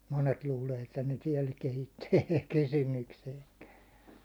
monet luulee että ne täällä kehittyy ei tule kysymykseenkään